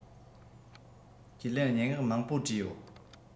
ཁས ལེན སྙན ངག མང པོ བྲིས ཡོད